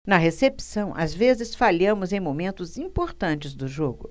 na recepção às vezes falhamos em momentos importantes do jogo